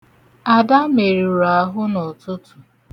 Ada merụrụ ahụ n'ụtụtụ.